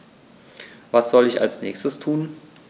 Was soll ich als Nächstes tun?